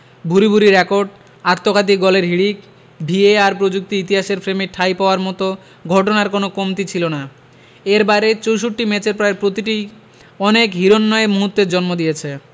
ভূরি ভূরি রেকর্ড আত্মঘাতী গোলের হিড়িক ভিএআর প্রযুক্তি ইতিহাসের ফ্রেমে ঠাঁই পাওয়ার মতো ঘটনার কোনো কমতি ছিল না এর বাইরে ৬৪ ম্যাচের প্রায় প্রতিটিই অনেক হিরণ্ময় মুহূর্তের জন্ম দিয়েছে